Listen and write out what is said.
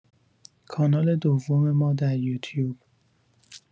کانال دوم ما در یوتیوب